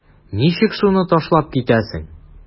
Ничек шуны ташлап китәсең?